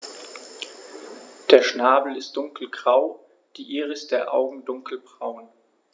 Der Schnabel ist dunkelgrau, die Iris der Augen dunkelbraun.